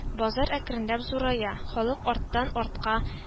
Базар әкренләп зурая, халык арттан-артка